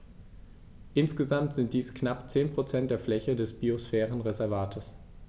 Insgesamt sind dies knapp 10 % der Fläche des Biosphärenreservates.